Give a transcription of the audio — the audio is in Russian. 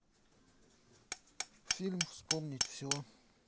фильм вспомнить все